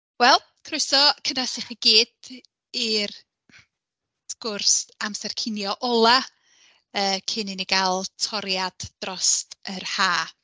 Wel, croeso cynnas i chi gyd i'r sgwrs amser cinio ola, yy cyn i ni gael toriad dros yr haf.